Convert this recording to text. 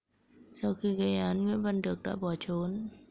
sau khi gây án nguyễn văn được đã bỏ trốn